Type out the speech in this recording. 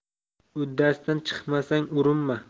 uddasidan chiqmasang urinma